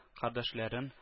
Кардәшләрен